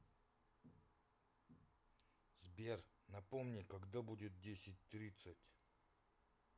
сбер напомни когда будет десять тридцать